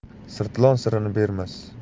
sirtlon sirini bermas